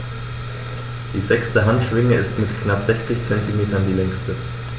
Die sechste Handschwinge ist mit knapp 60 cm die längste.